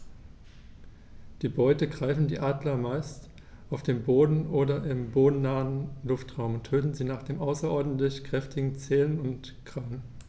Die Beute greifen die Adler meist auf dem Boden oder im bodennahen Luftraum und töten sie mit den außerordentlich kräftigen Zehen und Krallen.